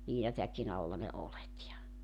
liinatäkin alla ne oljet ja